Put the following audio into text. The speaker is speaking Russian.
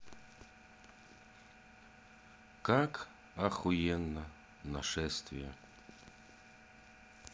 как охуенно нашествие